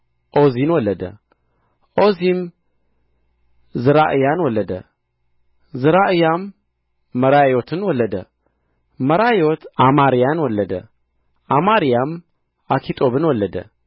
ኦዚን ወለደ ኦዚም ዘራእያን ወለደ ዘራእያም መራዮትን ወለደ መራዮት አማርያን ወለደ አማርያም አኪጦብን ወለደ